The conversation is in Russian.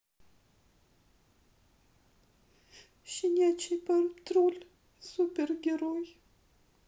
щенячий патруль супергерой